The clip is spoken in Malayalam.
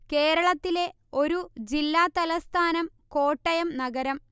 കേരളത്തിലെ ഒരു ജില്ലാതലസ്ഥാനം കോട്ടയം നഗരം